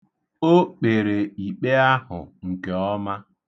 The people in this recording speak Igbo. O kpere ikpe ahụ nke ọma.